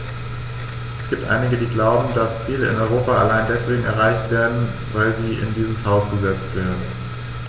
Es gibt einige, die glauben, dass Ziele in Europa allein deswegen erreicht werden, weil sie in diesem Haus gesetzt werden.